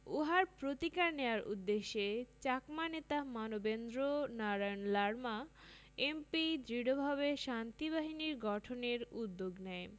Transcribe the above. উহার প্রতিকার নেয়ার উদ্দেশে চাকমা নেতা মানবেন্দ্র নারায়ণ লারমা এম.পি. দৃঢ়ভাবে শান্তিবাহিনী গঠনের উদ্যোগ নেয়